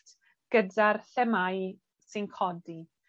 gyda'r themâu sy'n codi.